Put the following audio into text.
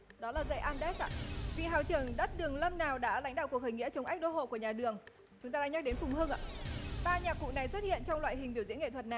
đó là dãy an đét ạ vị hào trưởng đất đường lâm nào đã lãnh đạo cuộc khởi nghĩa chống ách đô hộ của nhà đường chúng ta đang nhớ đến phùng hưng ạ ba nhạc cụ này xuất hiện trong loại hình biểu diễn nghệ thuật nào